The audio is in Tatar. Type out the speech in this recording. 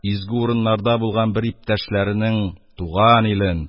Изге урыннарда булган бер иптәшләренең, туган илен